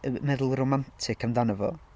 meddwl yn romantic amdano fo.